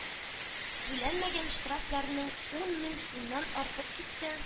Түләнмәгән штрафларың ун мең сумнан артып китсә,